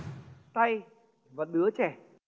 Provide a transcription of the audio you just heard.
tay và đứa trẻ